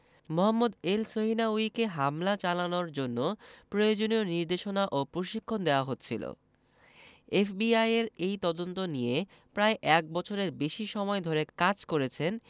মোহাম্মদ এলসহিনাউয়িকে হামলা চালানোর জন্য প্রয়োজনীয় নির্দেশনা ও প্রশিক্ষণ দেওয়া হচ্ছিল এফবিআইয়ের এই তদন্ত নিয়ে প্রায় এক বছরের বেশি সময় ধরে কাজ করেছেন